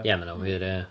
Ie mae hynna'n wir ie.